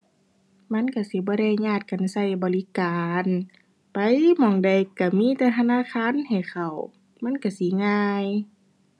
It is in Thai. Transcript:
มันก็สิบ่ได้ญาดกันก็บริการ ไปหม้องใดก็มีแต่ธนาคารให้เข้า มันก็สิง่าย